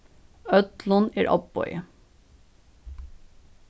øllum er ovboðið